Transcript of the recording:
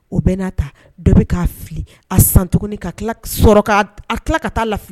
O bɛɛ n'a ta dɔ bɛ k'a fili. A san tuguni ka tila sɔrɔ ka a tila ka taa lafili.